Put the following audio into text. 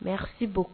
Mɛ si bon